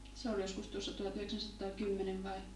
se oli joskus tuossa tuhatyhdeksänsataakymmenen vai